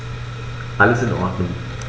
Alles in Ordnung.